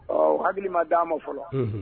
Ɔ hakililima d di' ma fɔlɔ